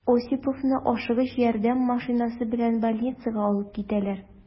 Осиповны «Ашыгыч ярдәм» машинасы белән больницага алып китәләр.